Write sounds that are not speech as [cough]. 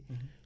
[hesitation] [hesitation]